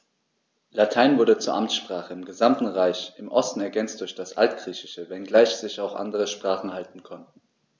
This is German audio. Latein wurde zur Amtssprache im gesamten Reich (im Osten ergänzt durch das Altgriechische), wenngleich sich auch andere Sprachen halten konnten.